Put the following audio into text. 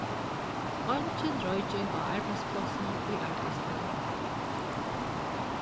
eingin royking á arbeiðsplássinum í arbeiðstíð